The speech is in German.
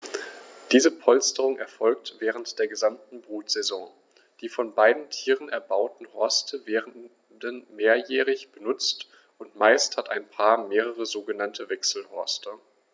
Diese Polsterung erfolgt während der gesamten Brutsaison. Die von beiden Tieren erbauten Horste werden mehrjährig benutzt, und meist hat ein Paar mehrere sogenannte Wechselhorste.